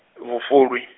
Vhufuli.